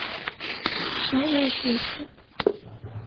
новая песня